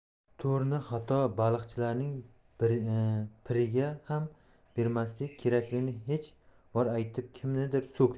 to'rni hatto baliqchilarning piriga ham bermaslik kerakligini necha bor aytib kimnidir so'kdi